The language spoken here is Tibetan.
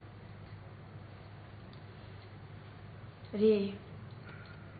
རེད